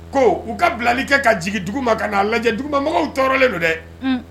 Ko: u ka bilali kɛ ka jigin dugu ma, ka n'a lajɛ, duguma mɔgɔw tɔɔrɔlen don dɛ!